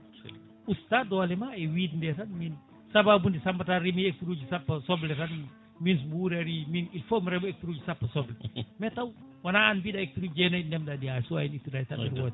usta doole ma e wiide tan min sababude Samba Tall reemi hectares uji sappo soble tan min so mo wuuri ari il faut mi rema hectares uji sappo soble mais taw wona an mbiɗa hectares jeenayyi ɗi ndemɗa ɗi a suwa hen ittude hay soblere wotere